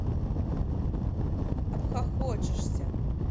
обхохочешься